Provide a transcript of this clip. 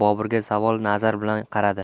boburga savol nazari bilan qaradi